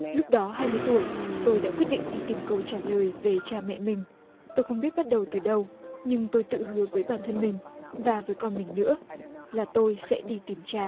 lúc đó hai mươi tuổi tôi đã quyết định đi tìm câu trả lời về cha mẹ mình tôi không biết bắt đầu từ đâu nhưng tôi tự hứa với bản thân mình và với con mình nữa là tôi sẽ đi tìm cha